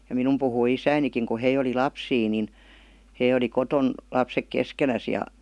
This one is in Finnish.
ja minun puhui isänikin kun he oli lapsia niin he oli kotona lapset keskenään ja